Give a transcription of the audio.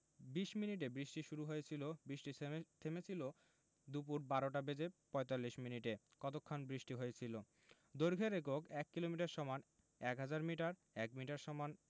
২০ মিনিটে বৃষ্টি শুরু হয়েছিল বৃষ্টি থেমেছিল দুপুর ১২টা বেজে ৪৫ মিনিটে কতক্ষণ বৃষ্টি হয়েছিল দৈর্ঘ্যের এককঃ ১ কিলোমিটার = ১০০০ মিটার ১ মিটার =